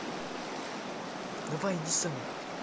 давай иди сама